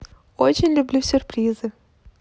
очень люблю сюрпризы